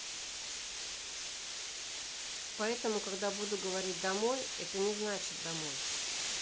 поэтому когда буду говорить домой это не значит домой